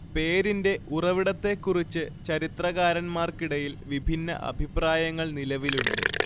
പേരിന്റെ ഉറവിടത്തെക്കുറിച്ച് ചരിത്രകാരന്മാർക്കിടയിൽ വിഭിന്ന അഭിപ്രായങ്ങൾ നിലവിലുണ്ട്